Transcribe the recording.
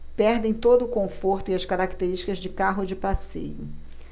perdem todo o conforto e as características de carro de passeio